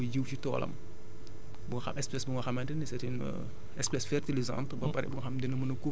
bu nga xamante ni daf koy jiw si toolam boo xam espèce bu nga xamante ni c' est une espèce fertilisante